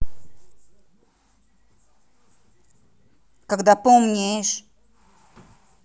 когда поумнеешь